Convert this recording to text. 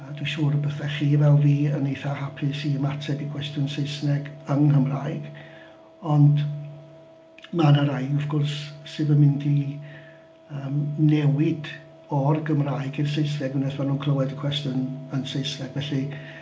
Ma' 'na rai wrth gwrs sydd yn mynd i yym newid o'r Gymraeg i'r Saesneg unwaith mae nhw'n clywed y cwestiwn yn Saesneg felly